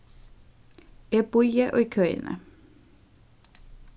eg bíði í køini